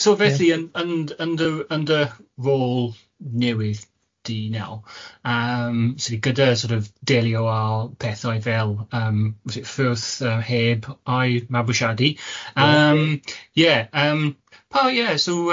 So felly yn yn yn dy yn dy rôl newydd di, Nel yym sydd gyda sort of delio â pethau fel yym ffyrdd yy heb ai mabwysiadu yym ie yym pa- ie so yym